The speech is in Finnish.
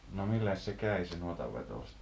no milläs se kävi se nuotanveto sitten